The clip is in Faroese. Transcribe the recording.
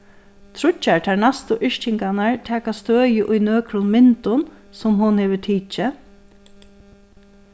tríggjar tær næstu yrkingarnar taka støði í nøkrum myndum sum hon hevur tikið